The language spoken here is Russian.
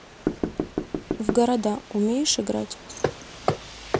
в города умеешь играть